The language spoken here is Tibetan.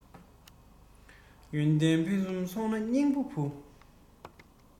ཡོན ཏན ཕུན སུམ ཚོགས ན སྙིང གི བུ